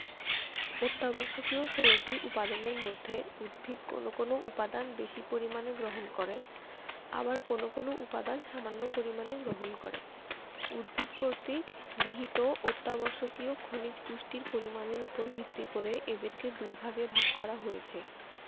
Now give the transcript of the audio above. অত্যাবশ্যকীয় ১৬ টি উপাদানের মধ্যে উদ্ভিদ কোনো কোনো উপাদান বেশি পরিমাণে গ্রহণ করে আবার কোনো কোনো উপাদান সামান্য পরিমাণে গ্রহণ করে উদ্ভিদ কর্তৃক গৃহীত অত্যাবশ্যকীয় খনিজ পুষ্টির পরিমাণের উপর ভিত্তি করে এদেরকে দুইভাগে ভাগ করা হয়েছে